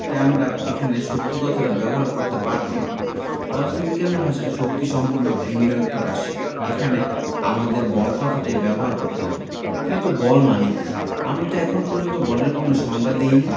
তাই আমরা এখানে শক্তি কথাটা ব্যবহার করতে পারব না পদার্থবিজ্ঞানের ভাষায় শক্তি সম্পূর্ণ ভিন্ন একটা রাশি এখানে আমাদের বল কথাটাই ব্যবহার করতে হবে কিন্তু বল মানে কী আমরা তো এখন পর্যন্ত বলের কোনো সংজ্ঞা দিইনি